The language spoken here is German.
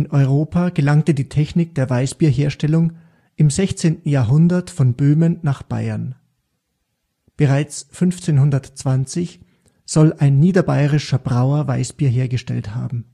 Europa gelangte die Technik der Weißbierherstellung im 16. Jahrhundert von Böhmen nach Bayern. Bereits 1520 soll ein niederbayerischer Brauer Weißbier hergestellt haben